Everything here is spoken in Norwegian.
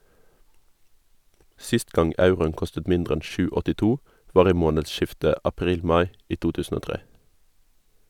Sist gang euroen kostet mindre enn 7,82, var i månedsskiftet april-mai i 2003.